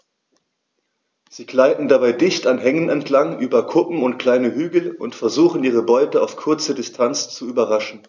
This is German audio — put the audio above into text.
Sie gleiten dabei dicht an Hängen entlang, über Kuppen und kleine Hügel und versuchen ihre Beute auf kurze Distanz zu überraschen.